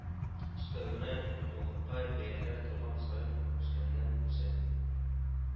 Өстәвенә, ягулыкка бәяләр торган саен үскәннән үсә